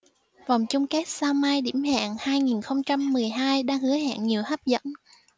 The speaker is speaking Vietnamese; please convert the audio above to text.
vòng chung kết sao mai điểm hẹn hai nghìn không trăm mười hai đang hứa hẹn nhiều hấp dẫn